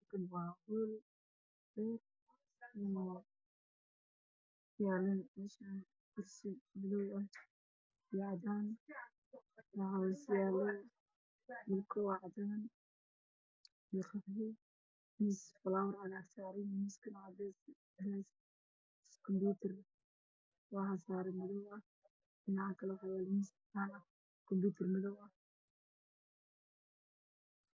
Meshan waxaa yaalo miisas waxaa saaran kumbiitaro faro badan